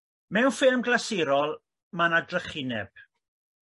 Mewn ffilm glasurol ma' 'na drychineb